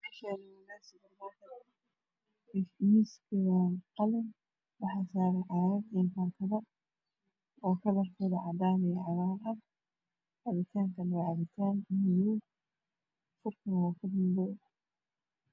Meshani waa meel supar markeed Miiska waa qalin waxa saran caagag iyo paakado kalrkeedu cadaan iyo cagaar yahay capitankana waaa capitaan madow furkana waa madow